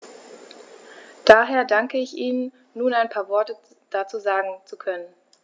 Daher danke ich Ihnen, nun ein paar Worte dazu sagen zu können.